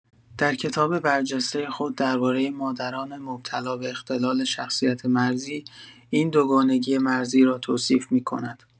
در کتاب برجسته خود درباره مادران مبتلا به اختلال شخصیت مرزی، این دوگانگی مرزی را توصیف می‌کند.